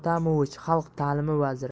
xalq ta'limi vaziri